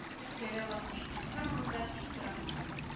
Төпкә дә батмый, бер урында тик тора